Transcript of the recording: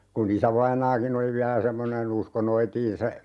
kun isävainaakin oli vielä semmoinen uskoi noitiin se